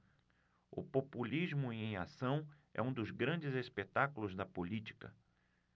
o populismo em ação é um dos grandes espetáculos da política